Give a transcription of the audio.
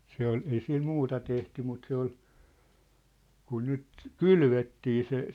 se oli ei sillä muuta tehty mutta se oli kun nyt kylvettiin se